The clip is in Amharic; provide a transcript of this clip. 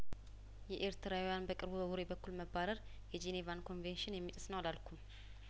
የኤርትራውያን በቅርቡ በቡሬ በኩል መባረር የጄኔቫን ኮንቬንሽን የሚጥስ ነው አላልኩም